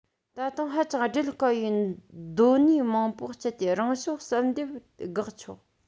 ད དུང ཧ ཅང འགྲེལ དཀའ བའི གདོད ནུས མང པོ སྤྱད དེ རང བྱུང བསལ འདེམས དགག ཆོག